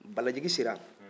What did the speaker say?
balajigi sera